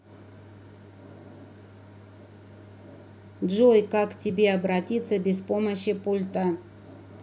джой как к тебе обратиться без помощи пульта